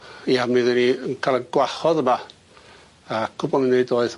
Ie mi 'ddwn ni yn ca'l 'yn gwahodd yma a cwbwl ni neud